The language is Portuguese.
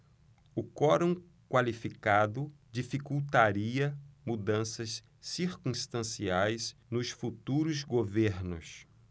o quorum qualificado dificultaria mudanças circunstanciais nos futuros governos